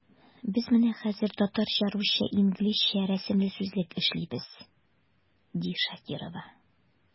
Без менә хәзер “Татарча-русча-инглизчә рәсемле сүзлек” эшлибез, ди Шакирова.